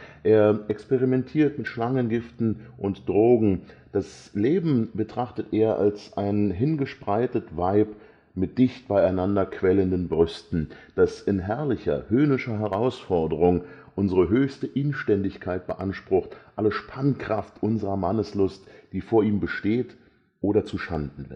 er experimentiert mit Schlangengiften und Drogen, das Leben betrachtet er als „ ein hingespreitet Weib, mit dicht beieinander quellenden Brüsten (…), das in herrlicher, höhnischer Herausforderung unsere höchste Inständigkeit beansprucht, alle Spannkraft unserer Manneslust, die vor ihm besteht oder zuschanden